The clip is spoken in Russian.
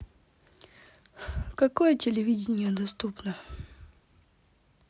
какое телевидение доступно